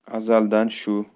azaldan shu